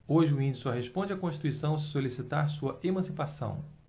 hoje o índio só responde à constituição se solicitar sua emancipação